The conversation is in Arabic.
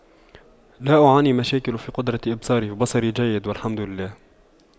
لا أعاني مشاكل في قدرة إبصاري بصري جيد والحمد لله